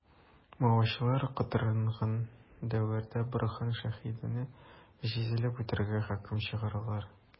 Маочылар котырынган дәвердә Борһан Шәһидине җәзалап үтерергә хөкем чыгаралар.